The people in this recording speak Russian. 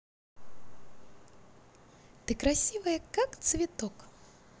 ты красивая как цветок